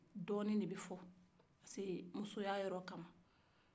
dɔni de bɛ fɔ musoya yɔrɔ ka ma